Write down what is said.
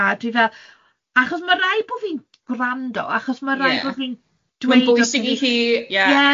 A dwi fel achos ma' raid bo' fi'n gwrando achos ma' raid bo' fi'n dweud... Ie mae'n bwysig i hi ...Ie.